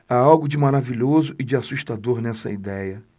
há algo de maravilhoso e de assustador nessa idéia